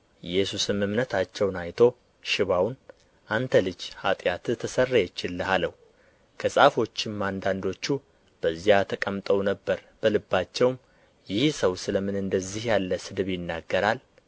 ኢየሱስም እምነታቸውን አይቶ ሽባውን አንተ ልጅ ኃጢአትህ ተሰረየችልህ አለው ከጻፎችም አንዳንዶቹ በዚያ ተቀምጠው ነበር በልባቸውም ይህ ሰው ስለ ምን እንደዚህ ያለ ስድብ ይናገራል